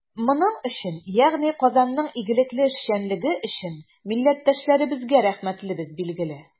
Моның өчен, ягъни Казанның игелекле эшчәнлеге өчен, милләттәшләребезгә рәхмәтлебез, билгеле.